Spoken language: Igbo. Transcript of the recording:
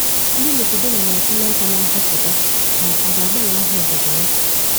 Ndị Macedonia na atuli aka na nhọpụta ma a ga-agbanwe aha obodo ya